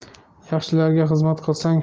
yaxshilarga xizmat qilsang